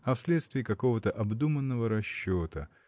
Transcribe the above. а вследствие какого-то обдуманного расчета